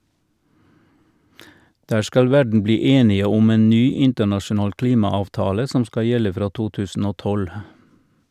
Der skal verden bli enige om en ny internasjonal klimaavtale som skal gjelde fra 2012.